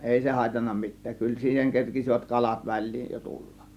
ei se haitannut mitään kyllä siihen kerkisivät kalat väliin jo tulla